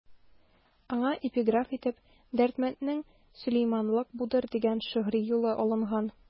Аңа эпиграф итеп Дәрдмәнднең «Сөләйманлык будыр» дигән шигъри юлы алынган.